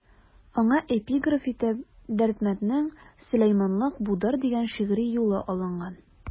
Аңа эпиграф итеп Дәрдмәнднең «Сөләйманлык будыр» дигән шигъри юлы алынган.